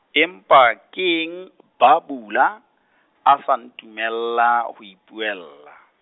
empa keng Bhabula, a sa ntumella, ho ipuella?